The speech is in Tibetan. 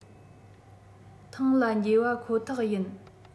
ཐང ལ བསྒྱེལ བ ཁོ ཐག ཡིན